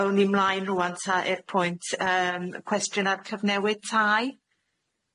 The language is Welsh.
Awn i mlaen rŵan ta i'r pwynt yym cwestiwn ar cyfnewid tai.